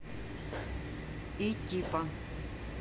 и типа